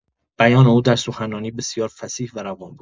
بیان او در سخنرانی بسیار فصیح و روان بود.